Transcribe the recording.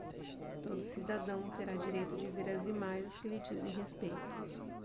todo cidadão terá direito de ver as imagens que lhe dizem respeito